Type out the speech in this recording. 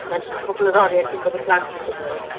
Mae'n jyst y cwpl o'r oriau cyn bod y plant yn dod nôl.